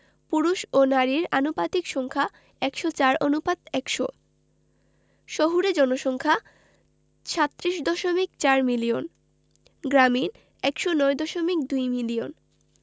পুরুষ ও নারীর আনুপাতিক সংখ্যা ১০৪ অনুপাত ১০০ শহুরে জনসংখ্যা ৩৭দশমিক ৪ মিলিয়ন গ্রামীণ ১০৯দশমিক ২ মিলিয়ন